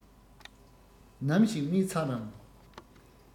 ནམ ཞིག རྨས ཚར རམ